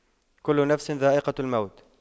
كُلُّ نَفسٍ ذَائِقَةُ المَوتِ